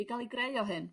i ga'l ei greu o hyn.